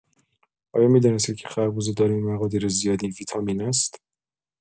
آیا می‌دانستید که خربزه دارای مقادیر زیادی ویتامین است؟